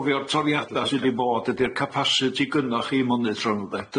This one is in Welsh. O gofio'r profiada sy 'di bod ydi'r capasiti gynno chi i monitro ynde?